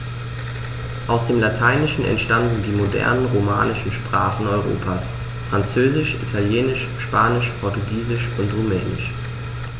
Aus dem Lateinischen entstanden die modernen „romanischen“ Sprachen Europas: Französisch, Italienisch, Spanisch, Portugiesisch und Rumänisch.